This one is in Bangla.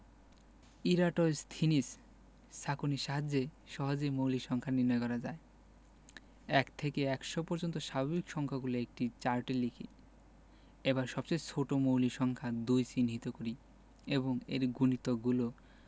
ইরাটোন্থিনিস ছাঁকনির সাহায্যে সহজেই মৌলিক সংখ্যা নির্ণয় করা যায় ১ থেকে ১০০ পর্যন্ত স্বাভাবিক সংখ্যাগুলো একটি চার্টে লিখি এবার সবচেয়ে ছোট মৌলিক সংখ্যা ২ চিহ্নিত করি এবং এর গুণিতকগলো